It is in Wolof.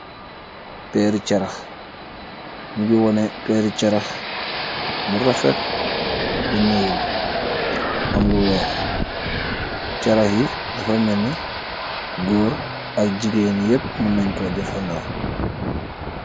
peeri charax ñungi wone peeri Charax bu rafet bu ñuul am lu weex charax yi dafa menne góor ak jigeen yepp mu nañ ko jëfandoo.